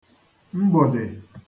mgbòdè